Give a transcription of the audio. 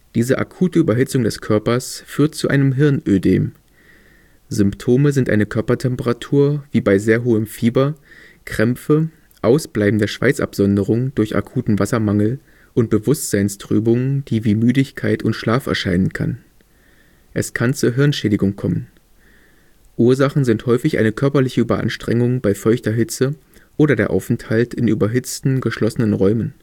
Diese akute Überhitzung des Körpers führt zu einem Hirnödem. Symptome sind eine Körpertemperatur wie bei sehr hohem Fieber, Krämpfe, Ausbleiben der Schweißabsonderung durch akuten Wassermangel und Bewusstseinstrübung, die wie Müdigkeit und Schlaf erscheinen kann. Es kann zur Hirnschädigung kommen. Ursachen sind häufig eine körperliche Überanstrengung bei feuchter Hitze oder der Aufenthalt in überhitzten, geschlossenen Räumen